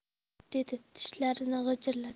dedi tishlarini g'ijirlatib